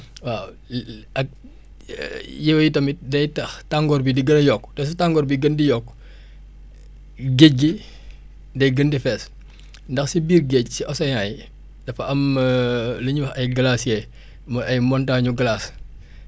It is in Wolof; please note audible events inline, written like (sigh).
waaw (hesitation) ak (hesitation) yooyu tamit day tax tàngoor bi di gën a yokku te su tàngoor biy gën di yokku géej gi day gën di fees ndax si biir géej si océeans yi dafa am (hesitation) lu ñuy wax ay glacier :framooy ay montagnes glaces